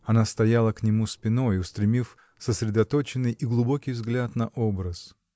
Она стояла к нему спиной, устремив сосредоточенный и глубокий взгляд на образ.